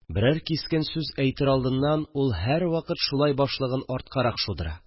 Берәр кискен сүз әйтер алдыннан ул һәрвакыт шулай башлыгын арткарак шудыра